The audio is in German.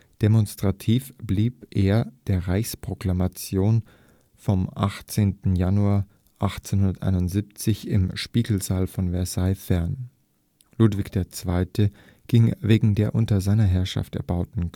Demonstrativ blieb er der Reichsproklamation vom 18. Januar 1871 im Spiegelsaal von Versailles fern. Ludwig II. ging wegen der unter seiner Herrschaft erbauten